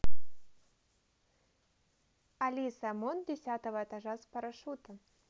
алиса мон десятого этажа с парашюта